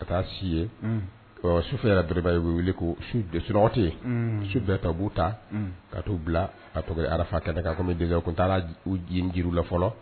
Ka taa si ye sufɛ yɛrɛba wele ko sute su bɛɛ to b'u ta ka taau bila ka ara kɛ de tun taara diɲɛ jiri la fɔlɔ